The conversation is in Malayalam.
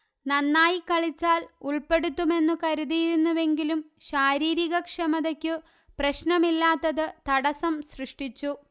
നന്നായി കളിച്ചാല് ഉള്പ്പെടുത്തുമെന്നു കരുതിയിരുന്നുവെങ്കിലും ശാരീരിക ക്ഷമതയ്ക്കു പ്രശ്നമില്ലാത്തത് തടസം സൃഷ്ടിച്ചു